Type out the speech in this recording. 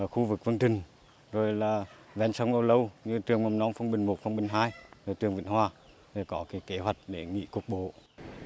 khu vực vân trình rồi là ven sông ô lâu như trường mầm non phong bình một phong bình hai rồi trường vĩnh hòa có cái kế hoạch để nghỉ cục bộ